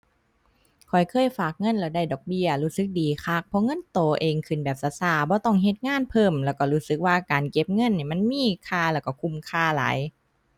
ข้อยเคยฝากเงินแล้วได้ดอกเบี้ย รู้สึกดีคัก เพราะเงินโตเองขึ้นแบบช้าช้า บ่ต้องเฮ็ดงานเพิ่ม แล้วช้ารู้สึกว่าการเก็บเงินเนี่ยมันมีค่า แล้วช้าคุ้มค่าหลาย